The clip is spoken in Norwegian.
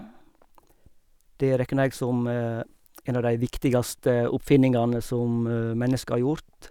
Det regner jeg som en av de viktigste oppfinnelsene som mennesket har gjort.